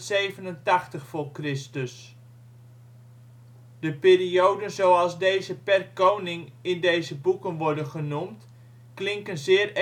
587 v.Chr. De perioden zoals deze per koning in deze boeken worden genoemd, klinken zeer